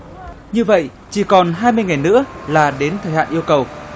như vậy chỉ còn hai mươi ngày nữa là đến thời hạn yêu cầu